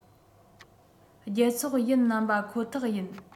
རྒྱལ ཚོགས ཡིན ནམ པ ཁོ ཐག ཡིན